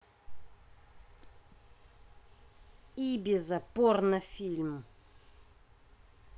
ibiza порнофильм